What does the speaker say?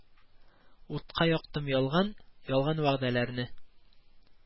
Утка яктым ялган, ялган вәгъдәләрне